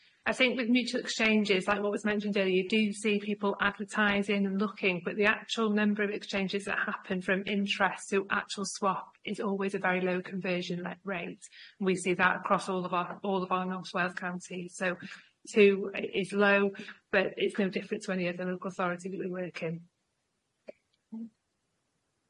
I think with mutual exchanges like what was mentioned earlier you do see people advertising and looking but the actual number of exchanges that happen from interest to actual swap is always a very low conversion le- rate and we see that across all of our all of our North Wales counties so two i- is low but it's no different to any of the local authority that we work in.